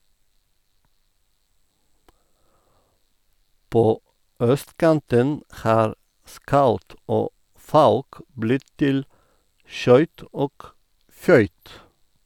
På østkanten har "skaut" og "fauk" blitt til "skøyt" og "føyk".